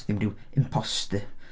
Dim rhyw imposter.